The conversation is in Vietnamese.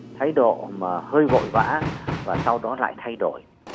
thái độ mà hơi vội vã và sau đó lại thay đổi